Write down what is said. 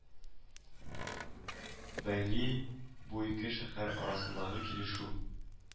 Бәйли, бу ике шәһәр арасындагы килешү